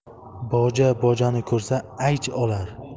boja bojani ko'rsa ayj olar